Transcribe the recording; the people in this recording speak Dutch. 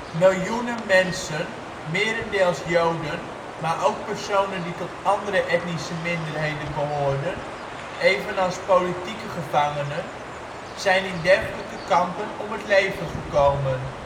Miljoenen mensen, merendeels Joden maar ook personen die tot andere etnische minderheden behoorden, evenals politieke gevangenen, zijn in dergelijke kampen om het leven gekomen